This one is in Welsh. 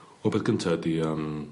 Wel beth gynta ydi yym...